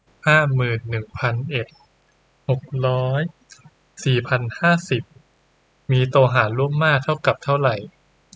ห้าหมื่นหนึ่งพันเอ็ดหกร้อยสี่พันห้าสิบมีตัวหารร่วมมากเท่ากับเท่าไหร่